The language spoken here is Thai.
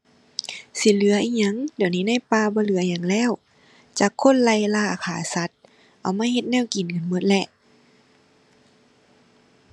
สิเหลืออิหยัง เดี๋ยวนี้ในป่าบ่เหลืออิหยังแล้ว จักคนไล่ล่าฆ่าสัตว์ เอามาเฮ็ดแนวกินหมดแล้ว